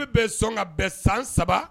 bɛ sɔn ka bɛn san saba